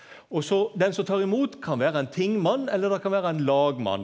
og så den som tar i mot kan vera ein tingmann eller det kan vera ein lagmann.